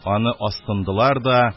Аны азсындылар да,